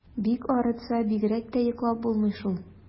Бик арытса, бигрәк тә йоклап булмый шул.